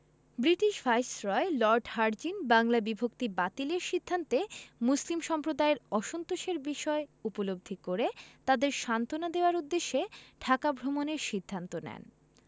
British viceroy Lord Hardinge Bangla বিভক্তি বাতিলের সিদ্ধান্তে মুসলিম সম্প্রদায়ের অসন্তোষের বিষয় উপলব্ধি করে তাদের সান্ত্বনা দেওয়ার উদ্দেশ্যে ঢাকা ভ্রমণের সিদ্ধান্ত নেন